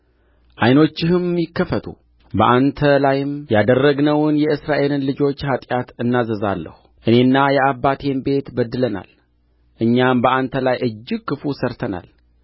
ዓይኖችህም ይከፈቱ በአንተ ላይም ያደረግነውን የእስራኤልን ልጆች ኃጢአት እናዘዝልሃለሁ እኔና የአባቴም ቤት በድለናል እኛም በአንተ ላይ እጅግ ክፉ ሠርተናል